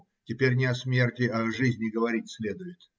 Теперь не о смерти, а о жизни говорить следует.